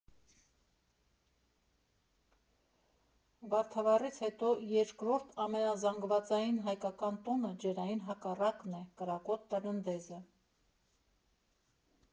Վարդավառից հետո երկրորդ ամենազանգվածային հայկական տոնը ջրայինի հակառակն է՝ կրակոտ Տրնդեզը։